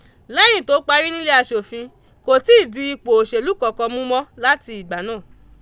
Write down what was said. Lẹ́yìn tó parí nilé aṣòfin kò tí ì di ipò òṣèlú kankan mú mọ́ láti ìgbà náà.